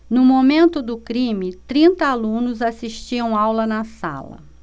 no momento do crime trinta alunos assistiam aula na sala